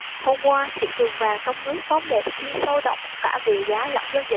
hôm qua thị trường vàng trong nước có một phiên sôi động cả về giá lẫn giao dịch